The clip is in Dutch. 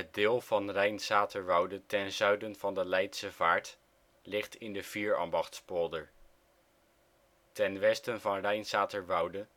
deel van Rijnsaterwoude ten zuiden van de Leidse Vaart ligt in de Vierambachtspolder. Ten westen van Rijnsaterwoude